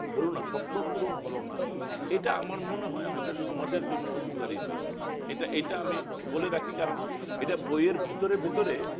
হলো না স্বপ্ন পূরণ হলো না এটা আমার মনে হয় আমাদের সমাজের জন্য উপকারী হয়েছে এটা এটা আমি বলে রাখি কারণ এটা বইয়ের ভেতরে ভেতরে